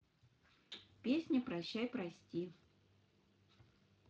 песня прощай прости